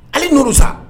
Ale nɔ don sa